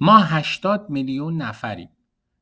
ما ۸۰ میلیون نفریم،